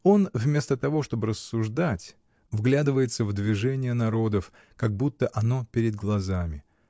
Он, вместо того, чтоб рассуждать, вглядывается в движение народов, как будто оно перед глазами.